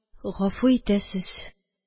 – гафу итәсез,